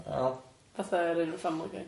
Wel. Fatha yr un yn Family Guy.